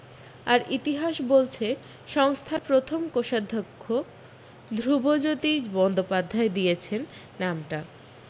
আর ইতিহাস বলছে সংস্থার প্রথম কোষাধ্যক্ষ ধ্রুবজ্যোতি বন্দ্যোপাধ্যায় দিয়েছেন নামটা